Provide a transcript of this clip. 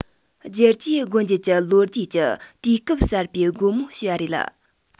བསྒྱུར བཅོས སྒོ འབྱེད ཀྱི ལོ རྒྱུས ཀྱི དུས སྐབས གསར པའི སྒོ མོ ཕྱེ བ རེད